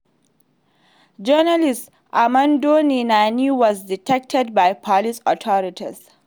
Journalist Armando Nenane was detained by police authorities.